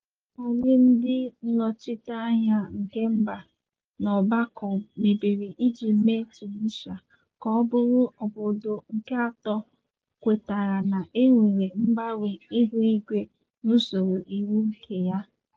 Nke mechara kpalie ndị nnọchiteanya nke mba na ọgbakọ mebere iji mee Tunisia ka ọ bụrụ obodo nke atọ kwetara na e nwere mgbanwe ihuigwe n'usoro iwu nke ya.